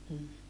mm